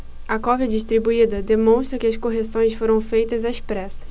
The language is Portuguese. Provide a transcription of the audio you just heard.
a cópia distribuída demonstra que as correções foram feitas às pressas